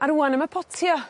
A rŵan am y potio.